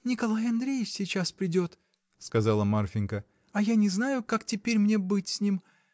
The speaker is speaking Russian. — Николай Андреич сейчас придет, — сказала Марфинька, — а я не знаю, как теперь мне быть с ним.